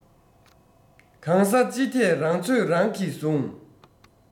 གང ས ཅི ཐད རང ཚོད རང གིས ཟུང